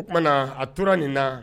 O kumanaa a tora nin na